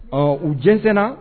Ɔ u jɛnsɛn na.